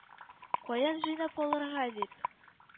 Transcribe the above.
Каян җыйнап алырга? - дип,